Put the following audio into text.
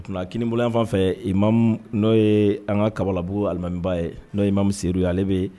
O tuma a kinibolo yan fan fɛ i n'o ye an ka kabalabugulimamiba ye n'o ma seyidu ye ale bɛ yen